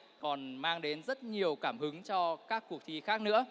còn mang đến rất nhiều cảm hứng cho các cuộc thi khác nữa